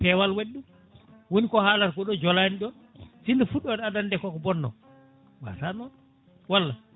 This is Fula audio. peewal waɗi ɗum woni ko haalata ko ɗo joolani ɗon sinno fuɗɗode adana nde koko bonno wata noon walla